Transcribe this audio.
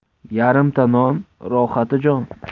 yarimta non rohati jon